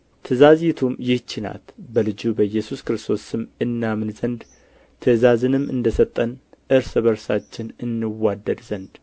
ትእዛዚቱም ይህች ናት በልጁ በኢየሱስ ክርስቶስ ስም እናምን ዘንድ ትእዛዝንም እንደ ሰጠን እርስ በርሳችን እንዋደድ ዘንድ